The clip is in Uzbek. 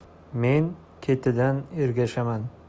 men ketidan ergashaman